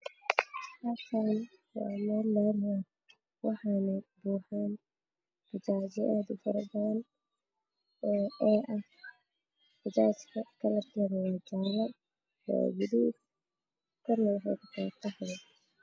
Meeshaan waa meel laami ah waxaa maraayo bajaajyo badan oo A ah waana jaale iyo gaduud.